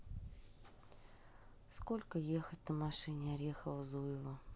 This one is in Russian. сколько ехать на машине орехово зуево